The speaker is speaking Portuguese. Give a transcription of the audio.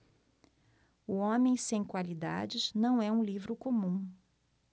o homem sem qualidades não é um livro comum